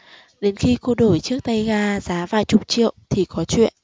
đến khi cô đổi chiếc tay ga giá vài chục triệu thì có chuyện